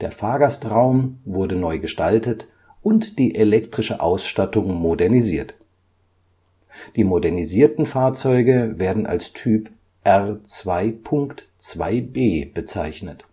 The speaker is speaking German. Fahrgastraum wurde neu gestaltet und die elektrische Ausstattung modernisiert. Die modernisierten Fahrzeuge werden als Typ R 2.2b bezeichnet